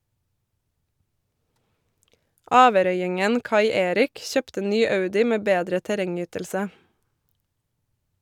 Averøyingen Kai Erik kjøpte ny Audi med bedre terrengytelse.